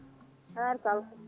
barikalla